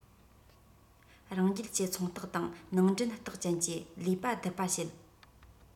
རང རྒྱལ གྱི ཚོང རྟགས དང ནང འདྲེན རྟགས ཅན གྱིས ལས པ བསྡུར པ བྱེད